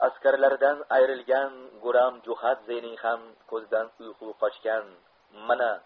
askarlaridan ayrilgan guram jo'xadzening ham ko'zidan uyqu qochgan mana